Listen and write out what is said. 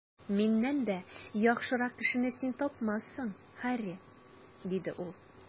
Миннән дә яхшырак кешене син тапмассың, Һарри, - диде ул.